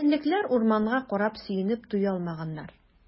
Җәнлекләр урманга карап сөенеп туя алмаганнар.